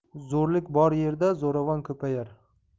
zo'rlik bor yerda zo'ravon ko'payar